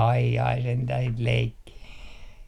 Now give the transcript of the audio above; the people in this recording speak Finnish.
ai ai sentään sitä leikkiä